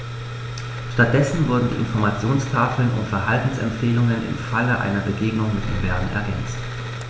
Stattdessen wurden die Informationstafeln um Verhaltensempfehlungen im Falle einer Begegnung mit dem Bären ergänzt.